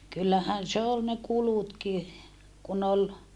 kyllähän se oli ne kulutkin kun oli